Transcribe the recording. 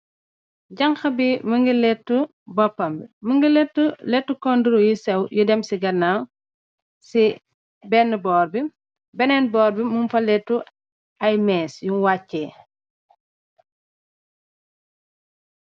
Janxa bi mugii lèttu boppambi mugii lèttu lèttu kondru yi séw yu dem ci ganaaw ci benen boor bi mung fa léttu ay mées yun waccè.